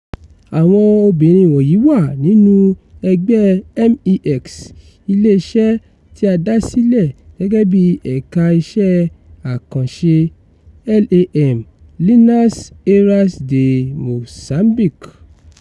Àwọn obìnrin wọ̀nyí wà nínú ẹgbẹ́ MEX, ilé-iṣẹ́ tí a dá sílẹ̀ gẹ́gẹ́ bíi Ẹ̀ka Iṣẹ́ Àkànṣe LAM — Linhas Aéreas de Moçambique.